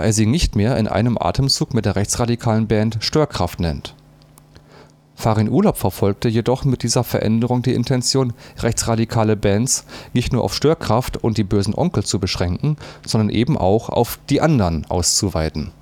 sie nicht mehr in einem Atemzug mit der rechtsradikalen Band Störkraft nennt. Farin Urlaub verfolgte jedoch mit dieser Veränderung die Intention, rechtsradikale Bands nicht nur auf Störkraft und die Böhsen Onkelz zu beschränken, sondern eben auch auf „ die andern “auszuweiten